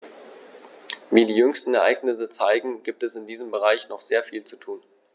Wie die jüngsten Ereignisse zeigen, gibt es in diesem Bereich noch sehr viel zu tun.